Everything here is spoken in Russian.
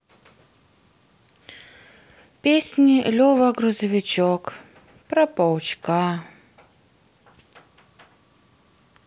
песни лева грузовичок про паучка